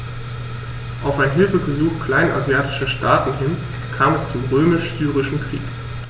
Auf ein Hilfegesuch kleinasiatischer Staaten hin kam es zum Römisch-Syrischen Krieg.